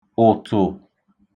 ụ̀tụ̀